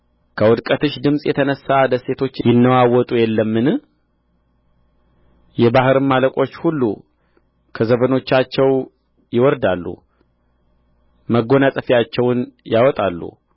ከውድቀትሽ ድምፅ የተነሣ ደሴቶች ይነዋወጡ የለምን የባሕርም አለቆች ሁሉ ከዙፋኖቻቸው ይወርዳሉ መጐናጸፊያቸውን ያወጣሉ